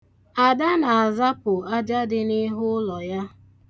Ada na-azapụ aja dị n'ihu ụlọ ya.